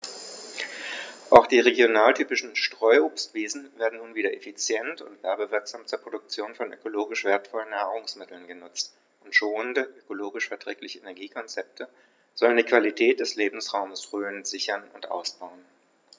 Auch die regionaltypischen Streuobstwiesen werden nun wieder effizient und werbewirksam zur Produktion von ökologisch wertvollen Nahrungsmitteln genutzt, und schonende, ökologisch verträgliche Energiekonzepte sollen die Qualität des Lebensraumes Rhön sichern und ausbauen.